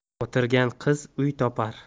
o'tirgan qiz uy topar